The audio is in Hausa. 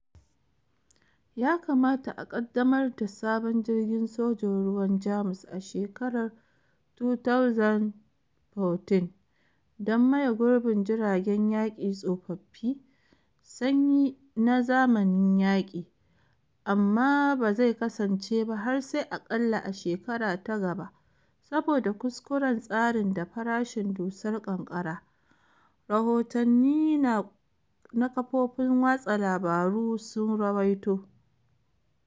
Ya kamata a kaddamar da sabon jirgin Sojin ruwan Jamus a shekarar 2014 don maye gurbin jiragen yaki tsofaffi Sanyi na zamani yaki. amma ba zai kasance ba har sai a kalla a shekara ta gaba saboda kuskuren tsarin da farashin dusar ƙanƙara, rahotanni na kafofin watsa labaru sun ruwaito.